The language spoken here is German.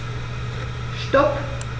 Stop.